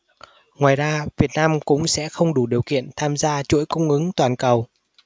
ngoài ra việt nam cũng sẽ không đủ điều kiện tham gia chuỗi cung ứng toàn cầu